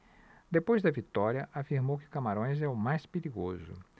depois da vitória afirmou que camarões é o mais perigoso